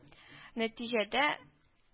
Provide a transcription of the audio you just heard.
Нәтиҗәдә